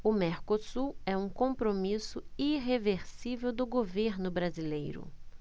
o mercosul é um compromisso irreversível do governo brasileiro